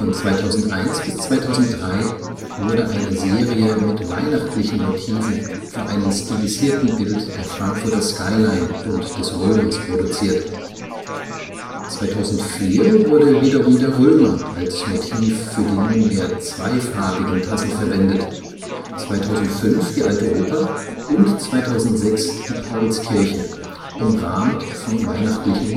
2001 bis 2003 wurde eine Serie mit weihnachtlichen Motiven (Weihnachtsbaum, Weihnachtsmann und Schneemann) vor einem stilisierten Bild der Frankfurter Skyline und des Römers produziert. 2004 wurde wiederum der Römer als Motiv für die nunmehr zweifarbigen Tassen verwendet, 2005 die Alte Oper und 2006 die Paulskirche, umrahmt von weihnachtlichen